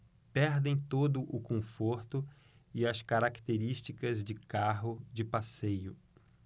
perdem todo o conforto e as características de carro de passeio